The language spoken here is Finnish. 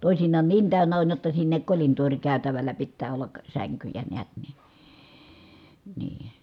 toisinaan niin täynnä on jotta sinne kolintoorikäytävällä pitää olla sänkyjä näet niin niin